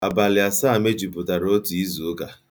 Abalị asaa mejupụtara otu izụụka.